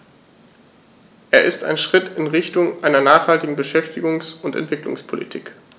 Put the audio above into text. Er ist ein Schritt in Richtung einer nachhaltigen Beschäftigungs- und Entwicklungspolitik.